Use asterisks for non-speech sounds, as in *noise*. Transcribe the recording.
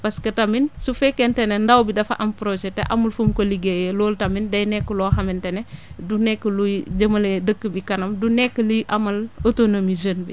parce que tamit su fekkente ne ndaw bi dafa am projet te amul fu mu ko liggéeyee loolu tamit day nekk loo xamante ne *breath* du nekk luy jëmale dëkk bi kanam du nekk liy amal autonomie jeune bi